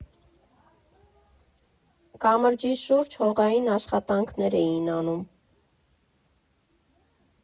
Կամրջի շուրջ հողային աշխատանքներ էին անում։